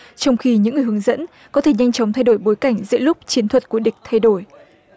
trong khi những người hướng dẫn có thể nhanh chóng thay đổi bối cảnh giữa lúc chiến thuật của địch thay đổi